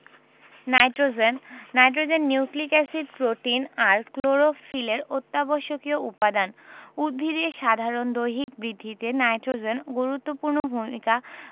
nitrogen nitrogen nucleic acid protein আর ক্লোরোফিলের অত্যাবশ্যকীয় উপাদান উদ্ভিদের সাধারণ দৈহিক বৃদ্ধিতে নাইট্রোজেন গুরুত্বপূর্ণ ভূমিকা